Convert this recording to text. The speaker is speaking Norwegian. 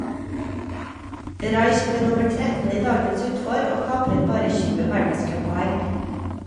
Raich ble nummer 13 i dagens utfor, og kapret bare 20 verdenscuppoeng.